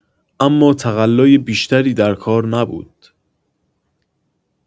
اما تقلای بیشتری در کار نبود.